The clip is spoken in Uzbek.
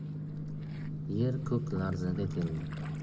yer ko'k larzaga keldi